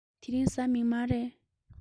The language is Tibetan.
དེ རིང གཟའ མིག དམར རེད